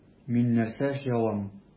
Мин нәрсә эшли алам?